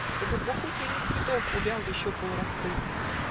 Чтобы двухутренний цветок Увял еще полураскрытый".